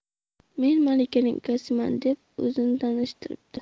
men malikaning ukasiman deb o'zini tanishtiribdi